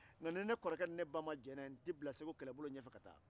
nka ni ne kɔrɔkɛ ni n ba ma jɛnna n'a n tɛ bila segu kɛlɛbolo ɲɛfɛ